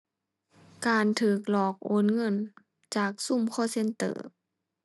การถูกหลอกโอนเงินจากซุม call center